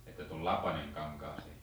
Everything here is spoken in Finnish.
että tuli lapanen kankaaseen